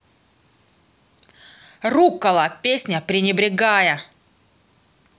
руккола песня пренебрегая